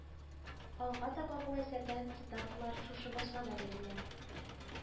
Алга таба бу әсәрдән цитаталар шушы басмада бирелә